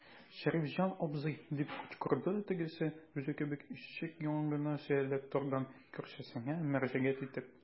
Шәрифҗан абзый, - дип кычкырды тегесе, үзе кебек ишек яңагына сөялеп торган күршесенә мөрәҗәгать итеп.